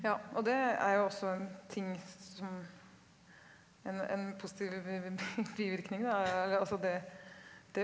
ja og det er jo også en ting som en en positiv bivirkning da altså det det.